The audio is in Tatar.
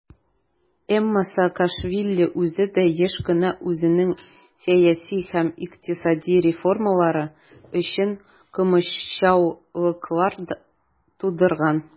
Әмма Саакашвили үзе дә еш кына үзенең сәяси һәм икътисади реформалары өчен комачаулыклар тудырган.